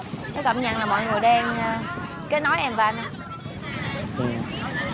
có cảm nhận là mọi người đang cứ nói em và anh